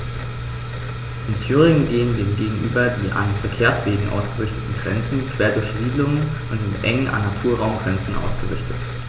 In Thüringen gehen dem gegenüber die an Verkehrswegen ausgerichteten Grenzen quer durch Siedlungen und sind eng an Naturraumgrenzen ausgerichtet.